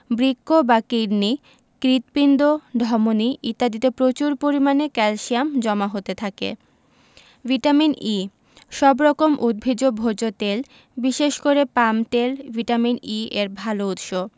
বৃক্ক বা কিডনি হৃৎপিণ্ড ধমনি ইত্যাদিতে প্রচুর পরিমাণে ক্যালসিয়াম জমা হতে থাকে ভিটামিন E সব রকম উদ্ভিজ্জ ভোজ্য তেল বিশেষ করে পাম তেল ভিটামিন E এর ভালো উৎস